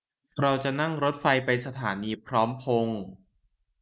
เราจะนั่งรถไฟไปสถานีพร้อมพงษ์